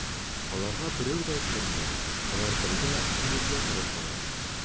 Аларга берәү дә керми, алар бергә йөрергә тырышалар.